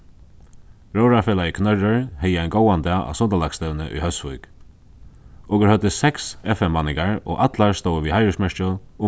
róðrarfelagið knørrur hevði ein góðan dag á sundalagsstevnu í hósvík okur høvdu seks f m manningar og allar stóðu við heiðursmerkjum